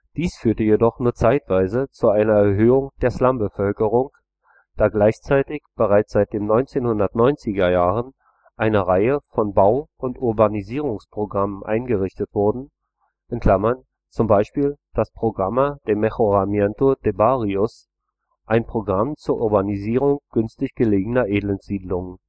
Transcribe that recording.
Dies führte jedoch nur zeitweise zu einer Erhöhung der Slumbevölkerung, da gleichzeitig bereits seit den 1990er Jahren eine Reihe von Bau - und Urbanisierungsprogrammen eingerichtet wurden (zum Beispiel das Programa de Mejoramiento de Barrios, ein Programm zur Urbanisierung günstig gelegener Elendssiedlungen